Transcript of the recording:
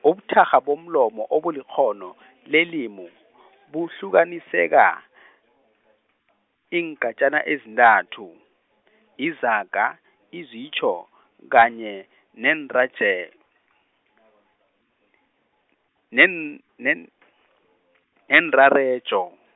ubuthakgha bomlomo obulikghono , lelimu, buhlukaniseka, iingatjana ezintathu, izaga, izitjho, kanye neenrajelo, nen- nen- neenrarejo.